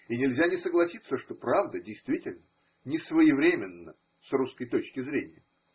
И нельзя не согласиться, что правда, действительно, несвоевременна – с русской точки зрения.